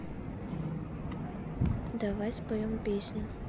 давай споем песню